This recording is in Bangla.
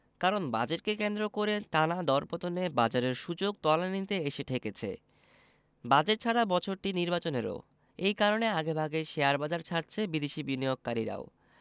কারণ বাজেটকে কেন্দ্র করে টানা দরপতনে বাজারের সূচক তলানিতে এসে ঠেকেছে বাজেট ছাড়া বছরটি নির্বাচনেরও এ কারণে আগেভাগে শেয়ারবাজার ছাড়ছে বিদেশি বিনিয়োগকারীরাও